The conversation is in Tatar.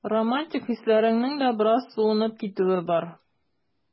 Романтик хисләреңнең дә бераз суынып китүе бар.